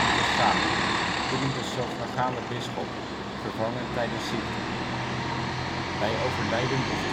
tezamen kunnen de suffragane bisschop vervangen tijdens ziekte. Bij overlijden of